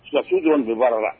sɔrdasi dɔrɔn de baara la